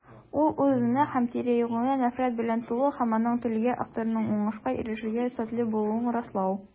Ул үз-үзенә һәм тирә-юньгә нәфрәт белән тулы - һәм аның теләге: авторның уңышка ирешергә сәләтле булуын раслау.